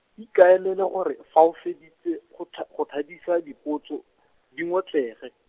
ikaelele gore , fa o feditse, go tha- go thadisa dipotso, di ngotlege.